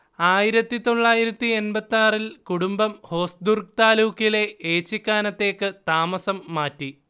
ആയിരത്തി തൊള്ളായിരത്തി എണ്പത്തിയാറിൽ കുടുംബം ഹോസ്ദുർഗ് താലൂക്കിലെ ഏച്ചിക്കാനത്തേക്ക് താമസം മാറ്റി